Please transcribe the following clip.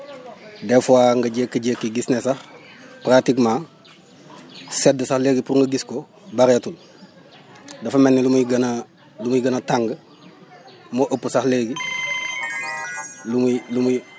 des fois nga jékki-jékki gis ne sax pratiquement sedd sax léegi pour nga gis ko bëreetul dafa mel ne ni muy gën a lu muy gën a tàng moo ëpp sax léegi lu muy nlu muy